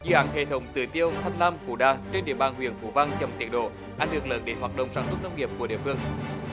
dự án hệ thống tưới tiêu thanh lam phú đa trên địa bàn huyện phú vang chậm tiến độ ảnh hưởng lớn đến hoạt động sản xuất nông nghiệp của địa phương